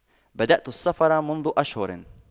بدأت السفر منذ أشهر